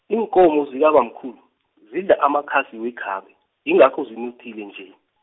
iinkomo zikabamkhulu, zidla amakhasi wekhabe, yingakho zinothile nje.